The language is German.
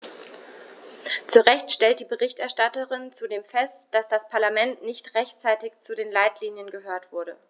Zu Recht stellt die Berichterstatterin zudem fest, dass das Parlament nicht rechtzeitig zu den Leitlinien gehört wurde.